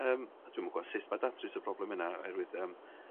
Yym a dwi'm yn gwel sut ma' datrys y broblem yna o'erwydd yym